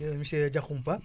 monsieur Diakhompa